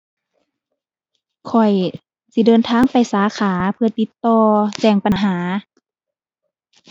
ข้อยสิเดินทางไปสาขาเพื่อติดต่อแจ้งปัญหา